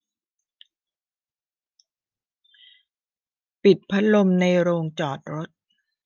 ปิดพัดลมในโรงจอดรถ